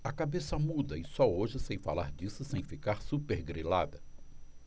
a cabeça muda e só hoje sei falar disso sem ficar supergrilada